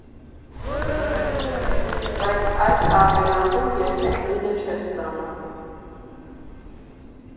Բայց այս տարբերակում երբեք նույնը չես ստանա։